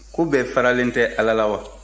ko bɛɛ faralen tɛ ala la wa